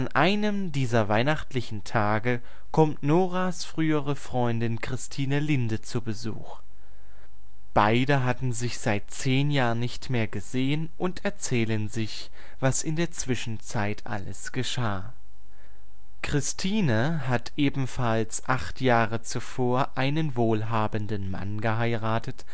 einem dieser weihnachtlichen Tage kommt Noras frühere Freundin Christine Linde zu Besuch. Beide hatten sich seit zehn Jahren nicht mehr gesehen und erzählen sich, was in der Zwischenzeit alles geschah. Christine hat ebenfalls acht Jahre zuvor einen wohlhabenden Mann geheiratet